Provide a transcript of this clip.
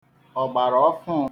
ọ̀gbàràọfụụ